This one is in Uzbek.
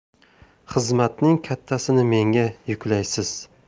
xizmatning kattasini menga yuklaysiz